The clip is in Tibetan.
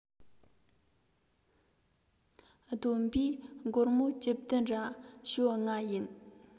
བསྡོམས པས སྒོར མོ བཅུ བདུན ར ཞོ ལྔ ཡིན